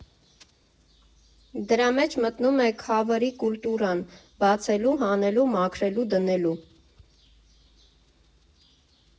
Դրա մեջ մտնում է քավըրի կուլտուրան, բացելու, հանելու, մաքրելու, դնելու։